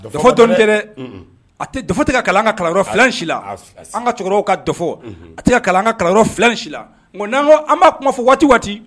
Dɔ dɔnni tɛ a dɔ tɛ ka kalan ka kalan filan an ka cɛkɔrɔba ka dɔfɔ a tɛ kalan ka kalan si la nka naamu an b'a kuma fɔ waati waati